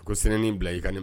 A ko sinanin bila i ka